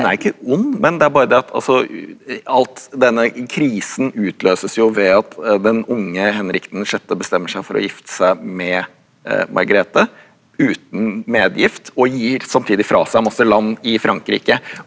hun er ikke ond men det er bare det at altså alt denne krisen utløses jo ved at den unge Henrik den sjette bestemmer seg for å gifte seg med Margrete uten medgift og gir samtidig fra seg masse land i Frankrike.